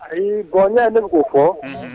Ayi' bɔn ɲɛ min ko fɔ